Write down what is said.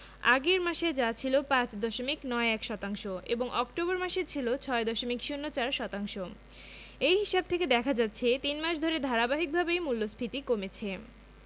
আগের মাসে যা ছিল ৫ দশমিক ৯১ শতাংশ এবং অক্টোবর মাসে ছিল ৬ দশমিক ০৪ শতাংশ এ হিসাব থেকে দেখা যাচ্ছে তিন মাস ধরে ধারাবাহিকভাবেই মূল্যস্ফীতি কমেছে